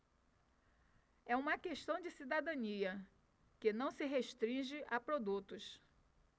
é uma questão de cidadania que não se restringe a produtos